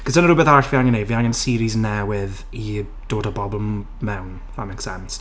Achos dyna rhywbeth arall fi angen wneud. Fi angen series newydd i dod â bobl m- mewn. If that makes sense.